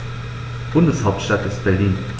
Bundeshauptstadt ist Berlin.